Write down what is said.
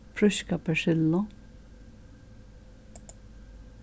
fríska persillu